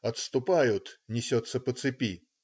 отступают!" - несется по цепи.